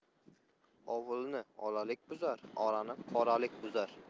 ovulni olalik buzar orani qoralik buzar